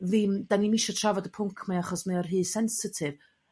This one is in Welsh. Ddim... Dan ni'm isio trafod y pwnc ma' achos mae o rhy sensitif.